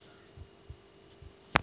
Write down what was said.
а запусти кофеманию